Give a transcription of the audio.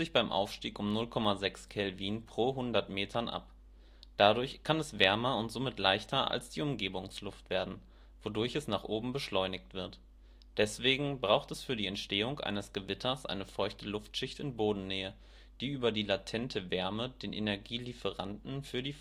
beim Aufstieg um 0,6 K/100 m ab. Dadurch kann es wärmer und somit leichter als die Umgebungsluft werden, wodurch es nach oben beschleunigt wird. Deswegen braucht es für die Entstehung eines Gewitters eine feuchte Luftschicht in Bodennähe, die über die latente Wärme den Energielieferanten für die